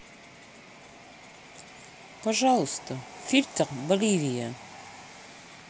пожалуйста фильтр боливия